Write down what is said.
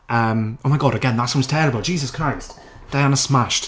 Yym Oh my god again. That sounds terrible. Jesus Christ. Diana smasied.